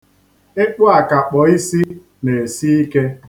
Ịkpụ akapọ isi na-esi ike.